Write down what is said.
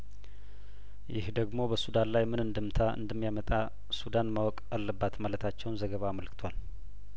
ይህ ደግሞ በሱዳን ላይ ምን እንደምታ እንደሚያመጣ ሱዳን ማወቅ አለባት ማለታቸውን ዘገባው አመልክቷል